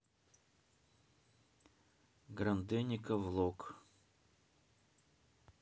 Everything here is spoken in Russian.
гранденико влог